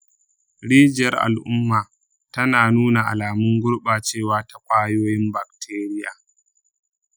rijiyar al’umma tana nuna alamun gurɓacewa ta ƙwayoyin bacteria.